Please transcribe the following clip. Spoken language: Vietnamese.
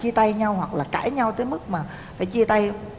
chia tay nhau hoặc là cãi nhau tới mức mà phải chia tay